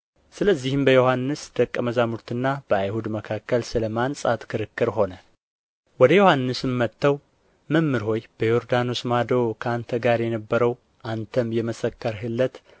ስለዚህም በዮሐንስ ደቀ መዛሙርትና በአይሁድ መካከል ስለ ማንጻት ክርክር ሆነ ወደ ዮሐንስም መጥተው መምህር ሆይ በዮርዳኖስ ማዶ ከአንተ ጋር የነበረው አንተም የመሰከርህለት